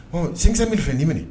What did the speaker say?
Hɔn 500.000 filɛ nin minɛ